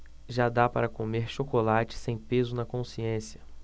já dá para comer chocolate sem peso na consciência